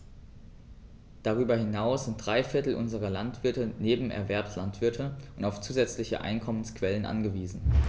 Darüber hinaus sind drei Viertel unserer Landwirte Nebenerwerbslandwirte und auf zusätzliche Einkommensquellen angewiesen.